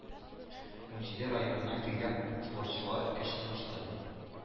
Унҗиде районыннан килгән спортчылар көч сынашты.